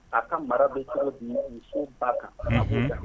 A ka mara bɛ kalo bi ba kan